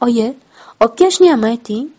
oyi obkashniyam ayting